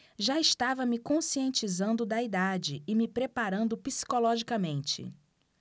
já estava me conscientizando da idade e me preparando psicologicamente